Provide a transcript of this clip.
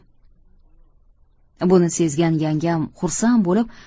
buni sezgan yangam xursand bo'lib